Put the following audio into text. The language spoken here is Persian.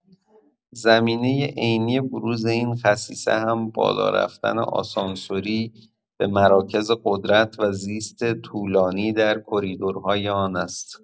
زمینه عینی بروز این خصیصه هم بالا رفتن آسانسوری به مراکز قدرت و زیست طولانی در کریدورهای آن است.